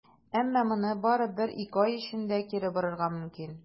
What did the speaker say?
Әмма моны бары бер-ике ай эчендә кире борырга мөмкин.